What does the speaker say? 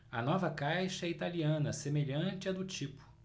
a nova caixa é italiana semelhante à do tipo